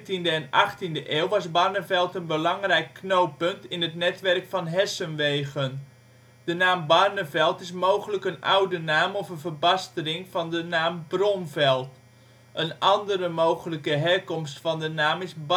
In de 17e en 18e eeuw was Barneveld een belangrijk knooppunt in het netwerk van Hessenwegen. De naam Barneveld is mogelijk een oude naam of een verbastering van de naam Bronveld. Een andere mogelijke herkomst van de naam is Barnsteenveld